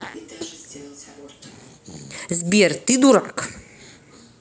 сбер ты дурак